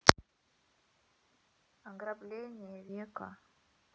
ограбление века